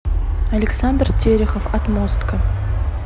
александр терехов отмостка